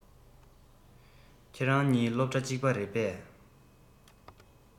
ཁྱེད རང གཉིས སློབ གྲ གཅིག རེད པས